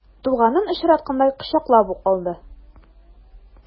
Туганын очраткандай кочаклап ук алды.